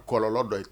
Kɔlɔ dɔ yen